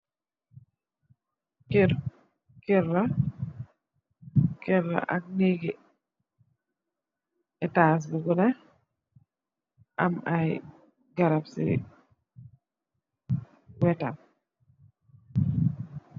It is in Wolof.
Kerr la, etas bu guda, am aye garab si wetam